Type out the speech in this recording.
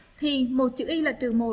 hình chữ là từ gì